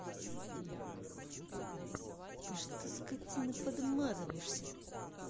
ты что скотина подмазываешься